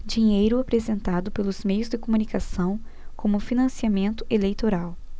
dinheiro apresentado pelos meios de comunicação como financiamento eleitoral